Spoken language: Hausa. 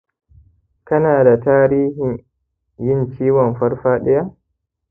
kanada tarihin yin ciwon farfadiya?